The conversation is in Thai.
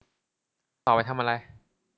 ต่อไปทำอะไร